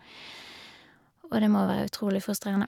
Og det må være utrolig frustrerende.